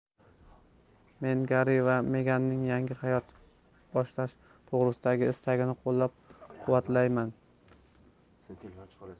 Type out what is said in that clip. men garri va meganning yangi hayot boshlash to'g'risidagi istagini qo'llab quvvatlayman